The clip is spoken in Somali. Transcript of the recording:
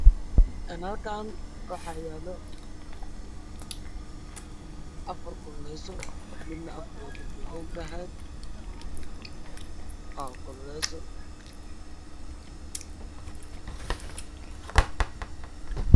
Meeshaan waxaa yaalo afar kolulayso midna africa ka dadan tahay waa kululayso